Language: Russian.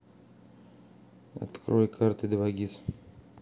открой карты два гис